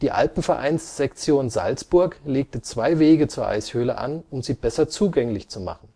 Alpenvereinssektion Salzburg legte zwei Wege zur Eishöhle an, um sie besser zugänglich zu machen